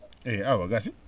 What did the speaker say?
eeyi awa gasii